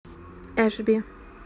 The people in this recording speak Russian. эшби